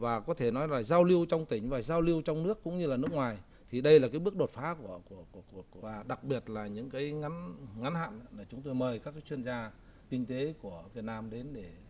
và có thể nói là giao lưu trong tỉnh và giao lưu trong nước cũng như là nước ngoài thì đây là cái bước đột phá của của của của và đặc biệt là những cái ngắn ngắn hạn là chúng tôi mời các chuyên gia kinh tế của việt nam đến để